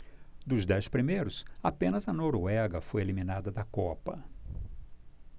dos dez primeiros apenas a noruega foi eliminada da copa